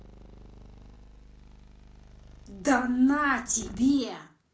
да на тебе